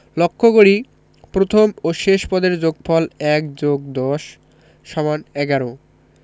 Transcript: লক্ষ করি প্রথম ও শেষ পদের যোগফল ১+১০=১১